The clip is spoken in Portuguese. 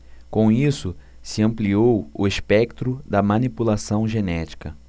com isso se ampliou o espectro da manipulação genética